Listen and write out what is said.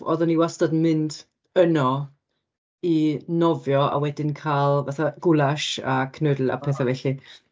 Oeddan ni wastad yn mynd yno i nofio, a wedyn cael fatha goulash a knödel a petha felly.